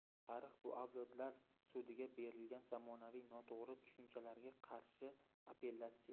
tarix bu avlodlar sudiga berilgan zamonaviy noto'g'ri tushunchalarga qarshi apellyatsiya